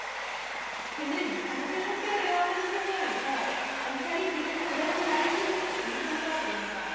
그는 당시 한겨레 와 한 통화에서 검찰이 지금 그런 말을 흘리는 의도가 뭔가